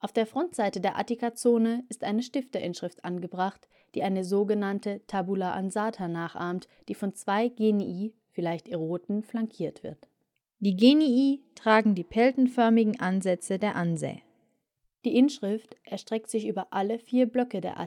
der Frontseite der Attikazone ist eine Stifterinschrift angebracht, die eine so genannte tabula ansata nachahmt, die von 2 Genii (Eroten?) flankiert wird. Die Genii tragen die peltenförmigen Ansätze der ansae. Die Inschrift erstreckt sich über alle 4 Blöcke der